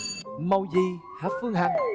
màu gì hả phương hà